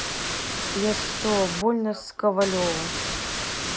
я сто больно сковалева